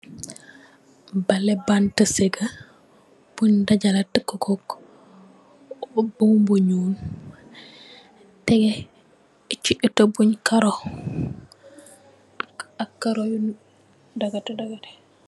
Balee banta seynga, bu dajalu takka kor bum bu nuul. Tieyi ci etah bu karo, ak karo yuun dagati dagati.